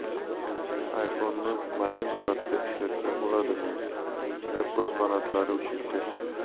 iphone'ni modem sifatida ishlatsa bo'ladimi apple fanatlari uchun test